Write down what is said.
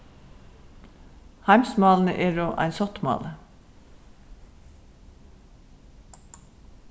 heimsmálini eru ein sáttmáli